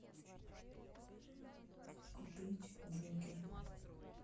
купить джокер